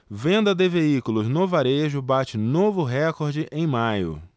venda de veículos no varejo bate novo recorde em maio